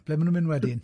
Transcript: Ble maen nw'n mynd wedyn?